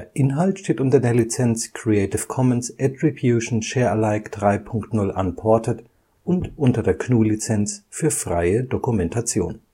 Inhalt steht unter der Lizenz Creative Commons Attribution Share Alike 3 Punkt 0 Unported und unter der GNU Lizenz für freie Dokumentation